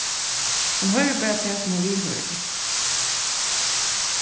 hann hoyrir bara tað sum hann vil hoyra